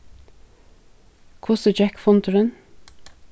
hvussu gekk fundurin